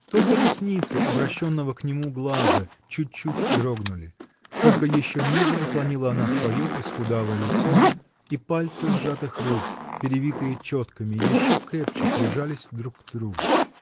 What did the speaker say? только ресницы обращенного к нему глаза чуть-чуть дрогнули, только еще ниже наклонила она свое исхудалое лицо -- и пальцы сжатых рук, перевитые четками, еще крепче прижались друг к другу.